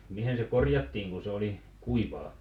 mihin se korjattiin kun se oli kuivaa